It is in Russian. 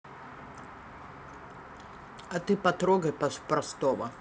а ты потрогай простого